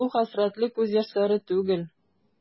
Бу хәсрәтле күз яшьләре түгел.